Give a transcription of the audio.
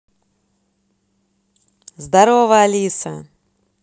здорова алиса